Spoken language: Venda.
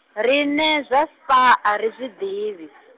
riṋe zwa Spar ari zwi nḓivhi.